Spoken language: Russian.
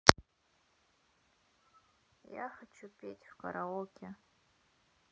я хочу петь в караоке